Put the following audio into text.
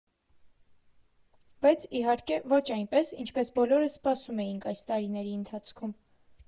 Բայց, իհարկե, ոչ այնպես, ինչպես բոլորս սպասում էինք այս տարիների ընթացքում։